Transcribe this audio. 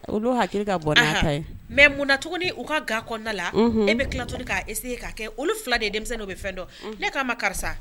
Olu hakili ka bɔda mɛ munna tuguni u ka ga kɔnɔnda la n bɛ tilatɔ k'se ka kɛ olu fila de denmisɛnnin bɛ fɛn dɔn ne ko'a ma karisa